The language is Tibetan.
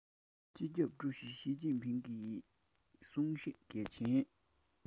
སྤྱི ཁྱབ ཧྲུའུ ཅི ཞིས ཅིན ཕིང གི གསུང བཤད གལ ཆེན